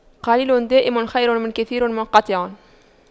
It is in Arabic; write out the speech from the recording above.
قليل دائم خير من كثير منقطع